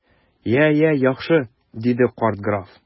Я, я, яхшы! - диде карт граф.